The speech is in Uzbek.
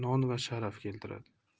non va sharaf keltiradi